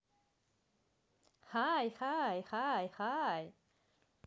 хай хай хай хай